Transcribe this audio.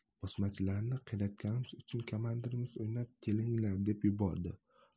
bosmachilarni qiyratganimiz uchun kamandirimiz o'ynab kelinglar deb yubordi